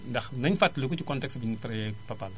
ndax nañu fàttaliku ci contexte bi ñu créé Fapal